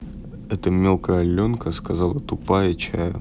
это мелкая аленка сказала тупая чая